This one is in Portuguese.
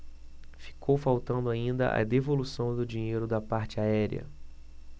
ficou faltando ainda a devolução do dinheiro da parte aérea